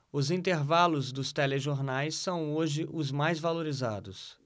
os intervalos dos telejornais são hoje os mais valorizados